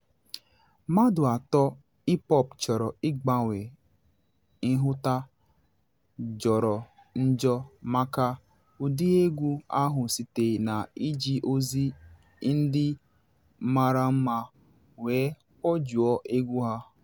Mmadụ atọ hip hop chọrọ ịgbanwe nhụta jọrọ njọ maka ụdị egwu ahụ site na iji ozi ndị mara mma wee kpojuo egwu ha.